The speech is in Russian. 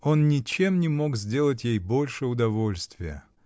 Он ничем не мог сделать ей больше удовольствия.